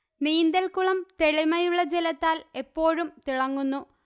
നീന്തല്ക്കുളം തെളിമയുള്ള ജലത്താല് എപ്പോഴും തിളങ്ങുന്നു